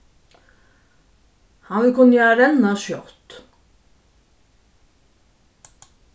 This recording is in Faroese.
hann vil kunna renna skjótt